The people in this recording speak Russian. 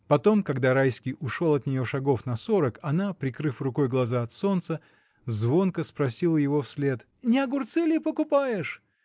Потом, когда Райский ушел от нее шагов на сорок, она, прикрыв рукой глаза от солнца, звонко спросила его вслед: — Не огурцы ли покупаешь?